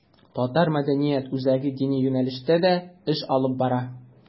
Татар мәдәният үзәге дини юнәлештә дә эш алып бара.